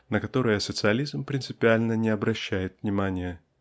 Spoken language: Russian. на которое социализм принципиально не обращает внимания.